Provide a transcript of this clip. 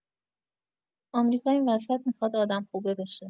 آمریکا این وسط می‌خواد آدم خوبه بشه